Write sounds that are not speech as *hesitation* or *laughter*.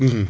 *hesitation* *hesitation*